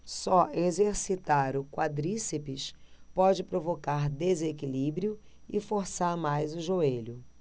só exercitar o quadríceps pode provocar desequilíbrio e forçar mais o joelho